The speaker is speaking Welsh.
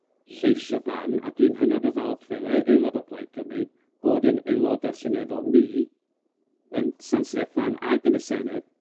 lleisio barn, a dwi'n hynod o falch fel ae- aelod o Plaid Cymru, bod yn aeloda' seneddol ni yn San Steffan ag yn y Senedd